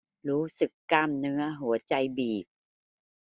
รู้สึกกล้ามเนื้อหัวใจบีบ